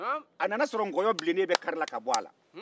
a nana a sɔrɔ nkɔyɔ bilennen bɛɛ karila ka bɔ a la